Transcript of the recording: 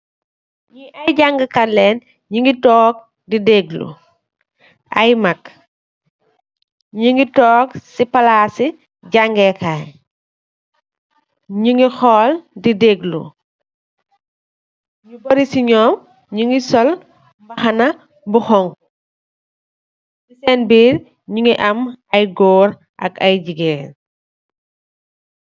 Ñii ay jangë kat lañge, ñuñgi toog, di deglu. Ay mag, ñu gi toog si palaas i, jaangee kaay. Ñu ñgi xool, di deglu, ñu bëri si ñoom, ñu ngi sol mbaxana xoñgu. Ci seen biir, mu ngi am ay goor ak ay jigéen.